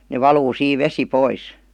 ne valuu siinä vesi pois